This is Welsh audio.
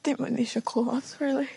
..dim yn isio clwad rili.